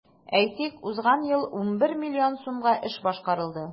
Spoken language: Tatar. Әйтик, узган ел 11 миллион сумга эш башкарылды.